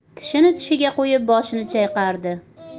tishini tishiga qo'yib boshini chayqardi